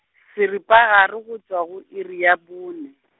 seripagare go tšwa go iri ya bone.